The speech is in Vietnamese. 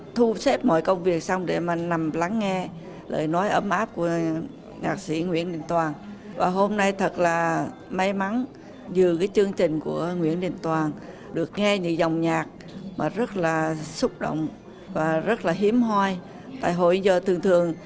thu xếp mọi công việc xong để mà nằm lắng nghe lời nói ấm áp của nhạc sĩ nguyễn đình toàn và hôm nay thật là may mắn dự cái chương trình của nguyễn đình toàn được nghe về dòng nhạc mà rất là xúc động và rất là hiếm hoi tại hội giờ thường thường